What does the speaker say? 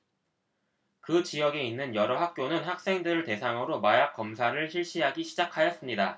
그 지역에 있는 여러 학교는 학생들을 대상으로 마약 검사를 실시하기 시작하였습니다